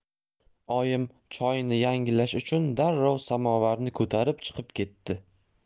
oyim choyni yangilash uchun darrov samovarni ko'tarib chiqib ketdi